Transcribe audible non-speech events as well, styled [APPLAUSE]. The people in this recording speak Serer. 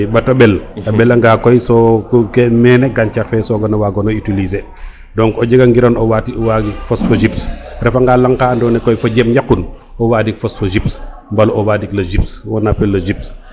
i bata ɓel a ɓela nga koy so mene gancax fe sogano wagano utiliser donc o jega ngiran o wagin [UNINTELLIGIBLE] a ref nga laŋka ando naye koy fojem yaqun o wandik [UNINTELLIGIBLE] wala o wandik le jups